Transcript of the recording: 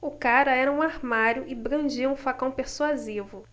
o cara era um armário e brandia um facão persuasivo